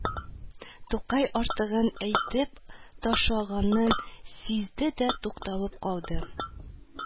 Тукай артыгын әйтеп ташлаганын сизде дә тукталып калды